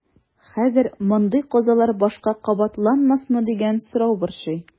Хәзер мондый казалар башка кабатланмасмы дигән сорау борчый.